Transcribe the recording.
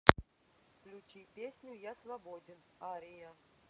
включи песню я свободен ария